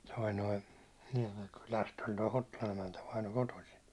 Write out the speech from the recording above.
tuo nuo Niemenkylästähän tuo Hottolan emäntä vainaja kotoisin